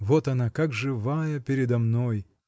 Вот она как живая передо мной!.